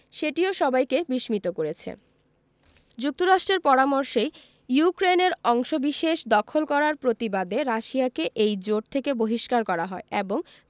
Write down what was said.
সেটিও সবাইকে বিস্মিত করেছে যুক্তরাষ্ট্রের পরামর্শেই ইউক্রেনের অংশবিশেষ দখল করার প্রতিবাদে রাশিয়াকে এই জোট থেকে বহিষ্কার করা হয় এবং